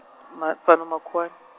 ma fhano makhuwani.